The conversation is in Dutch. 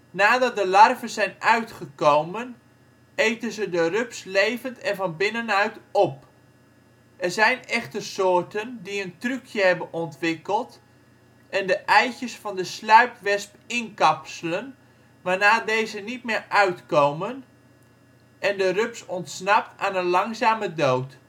Nadat de larven zijn uitgekomen eten ze de rups levend en van binnenuit op. Er zijn echter soorten die een trucje hebben ontwikkeld en de eitjes van de sluipwesp inkapselen waarna deze niet meer uitkomen en de rups ontsnapt aan een langzame dood